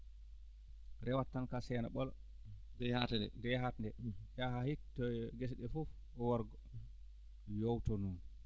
rewata tan ka seena ɓolo nde yahata nde yaha haa hebtoyoo gese ɗee fof ko worgo yowtoo noon